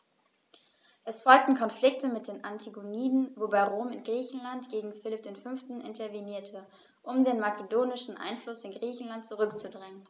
Es folgten Konflikte mit den Antigoniden, wobei Rom in Griechenland gegen Philipp V. intervenierte, um den makedonischen Einfluss in Griechenland zurückzudrängen.